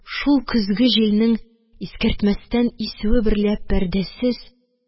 Шул көзге җилнең искәртмәстән исүе берлә пәрдәсез